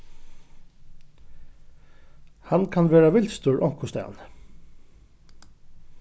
hann kann vera vilstur onkustaðni